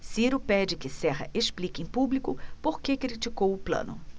ciro pede que serra explique em público por que criticou plano